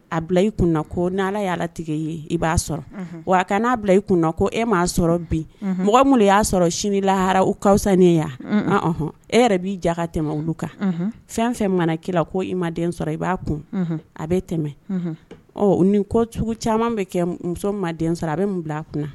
A bila i kunna ko n' ala y alatigɛ ye i b'a sɔrɔ wa a kana n'a bila i kun ko e m'a sɔrɔ bi mɔgɔ minnu y'a sɔrɔ sinilahara u kasa ne yanɔn e yɛrɛ b'i ja ka tɛmɛ olu kan fɛn fɛn mana ki la ko i ma den sɔrɔ i b'a kun a bɛ tɛmɛ nin ko cogo caman bɛ kɛ muso ma den sɔrɔ a bɛ min bila a kunna